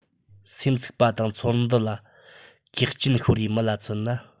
སེམས འཚིག པ དང ཚོར འདུ ལ གེགས རྐྱེན ཤོར བའི མི ལ མཚོན ན